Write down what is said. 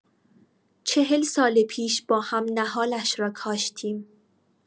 چهل سال پیش با هم نهالش را کاشتیم.